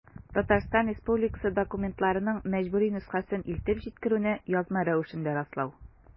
Татарстан Республикасы документларының мәҗбүри нөсхәсен илтеп җиткерүне язма рәвештә раслау.